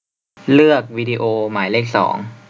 เลือกวิดีโอหมายเลขสอง